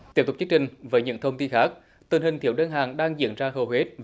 tiếp tục chương trình với những thông tin khác tình hình thiếu đơn hàng đang diễn ra hầu hết